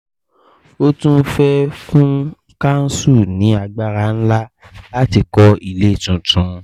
Ó tún fẹ́ fún Kánsù ní agbára ńlá láti kọ́ ilé tuntun.